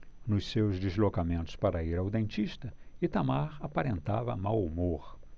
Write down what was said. nos seus deslocamentos para ir ao dentista itamar aparentava mau humor